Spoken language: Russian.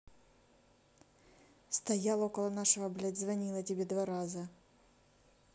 стоял около нашего блядь звонила тебе два раза